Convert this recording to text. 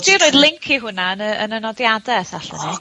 ...trio roid linc i hwnna yn y yn y nodiade os allwn ni.